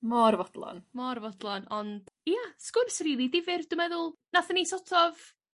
Mor fodlon. Mor fodlon ond ia sgwrs rili difyr dwi meddwl nathon ni so't of